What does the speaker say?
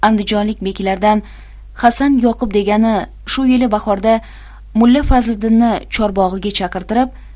andijonlik beklardan hasan yoqub degani shu yili bahorda mulla fazliddinni chorbog'iga chaqirtirib